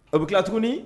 A bɛ tila tuguni